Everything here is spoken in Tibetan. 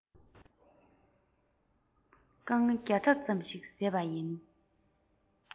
རྐང བརྒྱ ཕྲག ཙམ ཞིག བཟས པ ཡིན